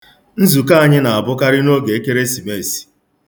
Nzukọ anyị na-abụkarị n'oge Ekeresimeesi.